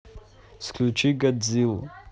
включить годзиллу